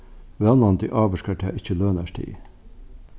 vónandi ávirkar tað ikki lønarstig